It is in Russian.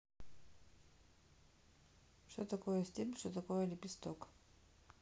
что такое стебель что такое лепесток